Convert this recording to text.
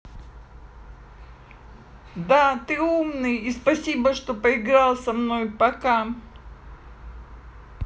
да ты умный спасибо что поиграл со мной пока